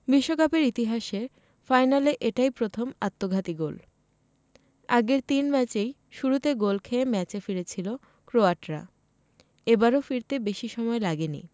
বিশ্বকাপের ইতিহাসে ফাইনালে এটাই প্রথম আত্মঘাতী গোল আগের তিন ম্যাচেই শুরুতে গোল খেয়ে ম্যাচে ফিরেছিল ক্রোয়াটরা এবারও ফিরতে বেশি সময় লাগেনি